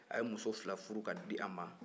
a ye muso fila furu k'a d'a ma